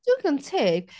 Digon teg.